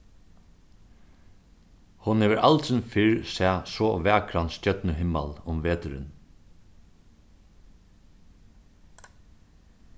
hon hevur aldrin fyrr sæð so vakran stjørnuhimmal um veturin